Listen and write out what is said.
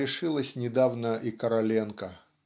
лишилась недавно и Короленко.